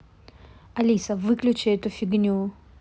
алиса выключи эту фигню